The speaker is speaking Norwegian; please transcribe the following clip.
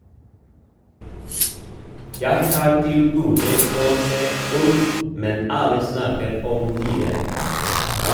- Jeg har til gode å se ulv , men alle snakker om dyret.